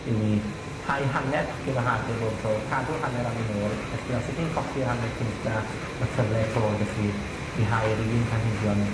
yw i hau hanner pacyn o hade bob tro. Cadw hanner am yn ôl, felly, os 'ych chi'n colli yr hanner cynta, ma' cyfle 'to 'dych chi i hau'r un planhigion